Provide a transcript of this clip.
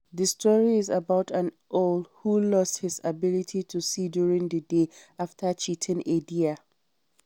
The story is about an owl who lost his ability to see during the day after cheating a deer.